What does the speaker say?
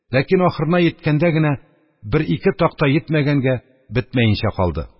Ләкин ахырына йиткәндә генә бер-ике такта йитмәгәнгә, бетмәенчә калды.